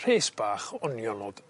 rhes bach o nionod